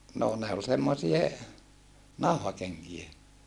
no ne oli semmoisia nauhakenkiä